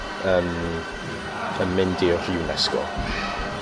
yn yn mynd i'r UNESCO.